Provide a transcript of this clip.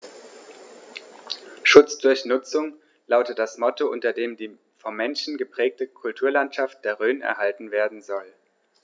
„Schutz durch Nutzung“ lautet das Motto, unter dem die vom Menschen geprägte Kulturlandschaft der Rhön erhalten werden soll.